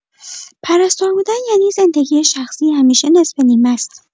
پرستار بودن یعنی زندگی شخصی همیشه نصفه‌نیمه‌ست.